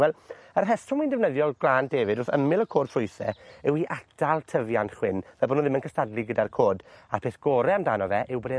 Wel, yr rheswm wi'n defnyddio gwlân defaid wrth ymyl y côd ffrwythe yw i atal tyfiant chwyn fel bo' n'w ddim yn cystadlu gyda'r côd, a peth gore amdano fe yw bod e'